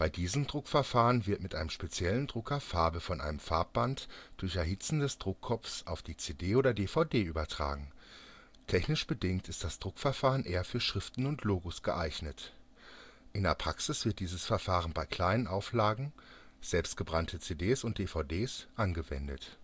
diesem Druckverfahren wird mit einem speziellen Drucker Farbe von einem Farbband durch Erhitzen des Druckkopfes auf die CD oder DVD übertragen. Technisch bedingt ist das Druckverfahren eher für Schriften und Logos geeignet. In der Praxis wird dieses Verfahren bei kleinen Auflagen (selbst gebrannte CDs und DVDs) angewendet